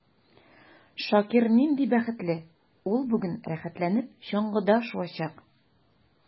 Шакир нинди бәхетле: ул бүген рәхәтләнеп чаңгыда шуачак.